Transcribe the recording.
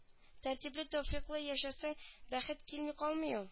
Тәртипле-тәүфыйклы яшәсәң бәхет килми калмый ул